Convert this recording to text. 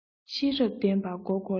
ཤེས རབ ལྡན པ མགོ བསྐོར ཡང